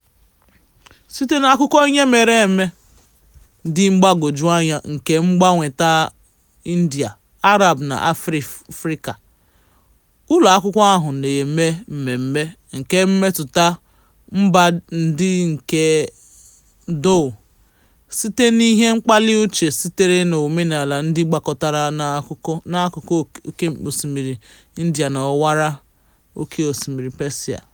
Site n'akụkọ ihe mere eme dị mgbagwoju anya nke mgbanweta India, Arab na Afịrịka, ụlọakwụkwọ ahụ na-eme mmemme nke mmetụta "mba ndị nke dhow", site n'ihe mkpali uche sitere n'omenaala ndị gbakọtara n'akụkụ Oké Osimiri India na Ọwara Oké Osimiri Persia.